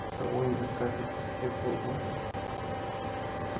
to'qqizta o'yin o'tkazib ikkita gol urdi